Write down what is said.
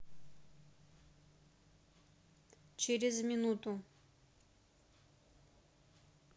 через минуту